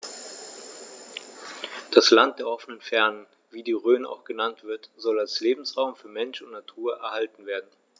Das „Land der offenen Fernen“, wie die Rhön auch genannt wird, soll als Lebensraum für Mensch und Natur erhalten werden.